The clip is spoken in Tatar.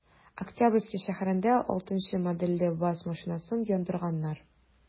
Октябрьский шәһәрендә 6 нчы модельле ваз машинасын яндырганнар.